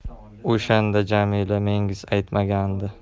o'shanda jamila mengs aytmagandi